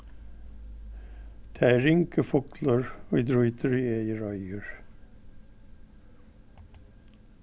tað er ringur fuglur ið drítur í egið reiður